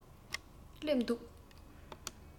སླེབས འདུག